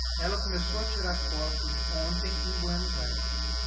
ela começou a tirar fotos ontem em buenos aires